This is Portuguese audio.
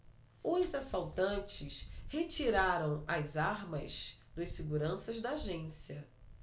os assaltantes retiraram as armas dos seguranças da agência